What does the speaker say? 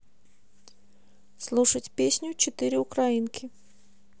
слушать песню четыре украинки